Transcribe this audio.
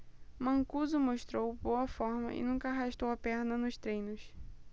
mancuso mostrou boa forma e nunca arrastou a perna nos treinos